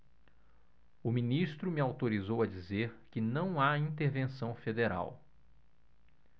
o ministro me autorizou a dizer que não há intervenção federal